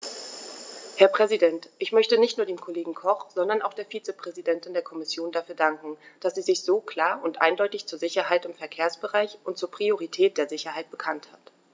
Herr Präsident, ich möchte nicht nur dem Kollegen Koch, sondern auch der Vizepräsidentin der Kommission dafür danken, dass sie sich so klar und eindeutig zur Sicherheit im Verkehrsbereich und zur Priorität der Sicherheit bekannt hat.